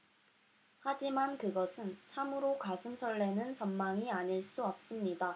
하지만 그것은 참으로 가슴 설레는 전망이 아닐 수 없습니다